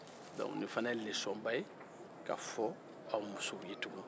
nin fana ye lesɔnba ye ka fɔ aw musow ye tuguni